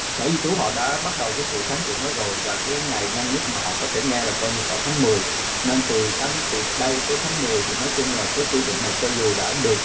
sở di trú họ đã bắt đầu với sự kháng kiện đó rồi và cái ngày nhanh nhất mà họ có thể nghe là coi như cả tháng mười nên từ tăng từ đây tới tháng mười thì nói chung là các quy định này cho dù đã được